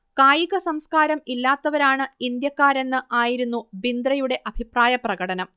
കായികസംസ്കാരം ഇല്ലാത്തവരാണ് ഇന്ത്യക്കാരെന്ന് ആയിരുന്നു ബിന്ദ്രയുടെ അഭിപ്രായ പ്രകടനം